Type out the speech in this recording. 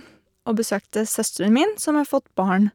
Og besøkte søsteren min, som har fått barn.